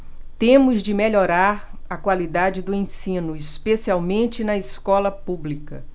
temos de melhorar a qualidade do ensino especialmente na escola pública